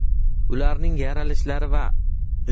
ularning yaralishlari